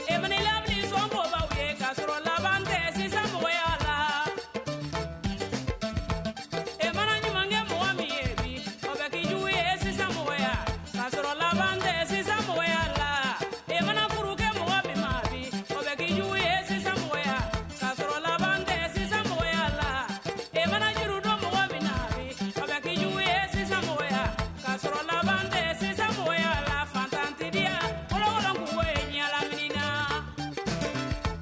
Ɲa sɔn ko ka wuli ka sɔrɔla kɛ sisan mɔgɔya la i mana ɲuman kɛ mɔgɔ min ye sokɛkijugu ye sisan mɔgɔya ka sɔrɔla kɛ sisan mɔgɔya la i mana furu kɛ mɔgɔ min na sokɛkijugu ye sisan nɔgɔya ka sɔrɔ laban tɛ mɔgɔya la i mana jiri dɔ mɔgɔ min na sokɛki juguugu ye sisan nɔgɔyaya ka sɔrɔla tɛ sisan mɔgɔya la fadiya cɛkɔrɔbabugu ye ɲɛ la